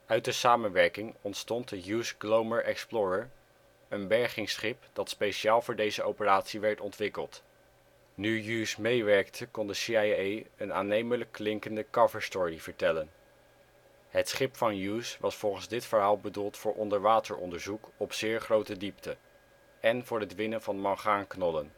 Uit de samenwerking ontstond de Hughes Glomar Explorer, een bergingsschip dat speciaal voor deze operatie werd ontwikkeld. Nu Hughes meewerkte kon de CIA een aannemelijk klinkende cover story vertellen. Het schip van Hughes was volgens dit verhaal bedoeld voor onderwateronderzoek op zeer grote diepte, en voor het winnen van mangaanknollen